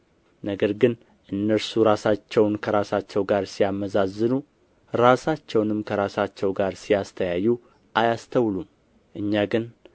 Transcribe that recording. ነገር ግን እነርሱ ራሳቸውን ከራሳቸው ጋር ሲያመዛዝኑ ራሳቸውንም ከራሳቸው ጋር ሲያስተያዩ አያስተውሉም እኛ ግን